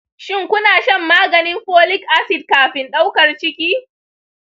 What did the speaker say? shin kuna shan maganin folic acid kafin daukar ciki?